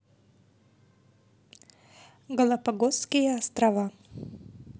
галапагосские острова